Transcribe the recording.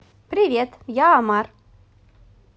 привет я омар